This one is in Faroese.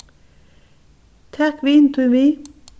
tak vin tín við